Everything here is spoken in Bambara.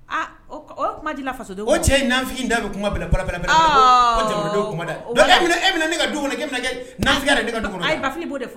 Aa o kuma ji la faso o cɛ yefin da bɛ kun ka bila kuma e bɛ bɛna ne ka du kɔnɔ eya yɛrɛ ne ka du kɔnɔ a ye bafi b' de fɔ